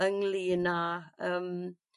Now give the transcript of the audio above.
ynglŷn â yym